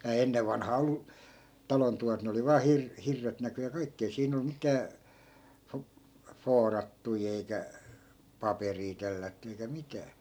eihän ennen vanhaan ollut talon tuvat ne oli vain - hirret näkyi ja kaikki ei siinä ollut mitään - vuorattuja eikä paperia tellätty eikä mitään